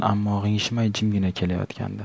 ammo g'ingshimay jimgina kelayotgandi